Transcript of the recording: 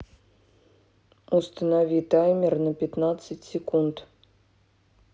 установи таймер на пятнадцать секунд